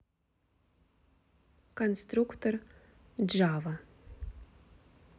конструктор джава